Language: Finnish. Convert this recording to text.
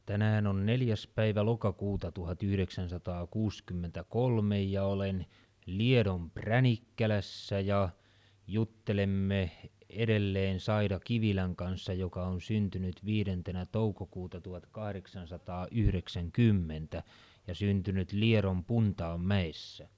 tänään on neljäs päivä lokakuuta tuhatyhdeksänsataakuusikymmentäkolme ja olen Liedon Pränikkälässä ja juttelemme edelleen Saida Kivilän kanssa joka on syntynyt viidentenä toukokuuta tuhatkahdeksansataayhdeksänkymmentä ja syntynyt Liedon Puntaanmäessä